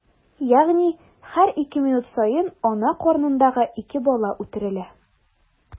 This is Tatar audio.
Ягъни һәр ике минут саен ана карынындагы ике бала үтерелә.